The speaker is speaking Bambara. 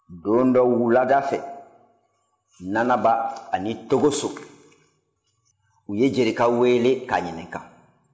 don dɔ wulada fɛ nanaba ani togoso u ye jerika weele k'a ɲininka